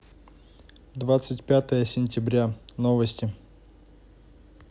двадцать пятое сентября новости